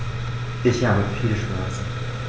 Ich habe viele Schmerzen.